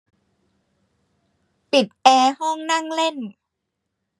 ปิดแอร์ห้องนั่งเล่น